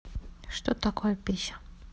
а что такое пися